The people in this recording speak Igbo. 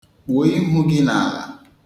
Kpuo ihu gị n'ala.